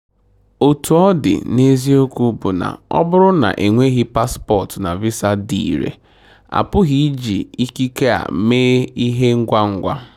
Otú ọ dị, n'eziokwu bụ na ọ bụrụ na e nweghị paspọtụ na visa dị irè, a pụghị iji ikike a mee ihe ngwa ngwa.